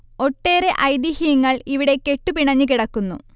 ഒട്ടെറെ ഐതിഹ്യങ്ങൾ ഇവിടെ കെട്ടു പിണഞ്ഞു കിടക്കുന്നു